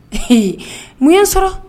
Ee mun ye sɔrɔ